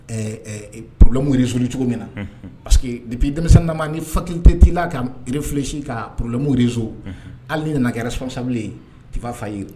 Ɛɛ porolɛmorezri cogo min na parceriseke que depi denmisɛnninba ni fati tɛ t'i la ka refisi ka porolɛmorezso hali nana kɛraɛrɛ sababusabilen i b'a fa ye